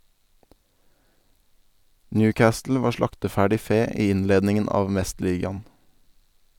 Newcastle var slakteferdig fe i innledningen av mesterligaen.